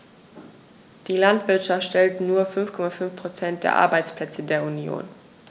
Die Landwirtschaft stellt nur 5,5 % der Arbeitsplätze der Union.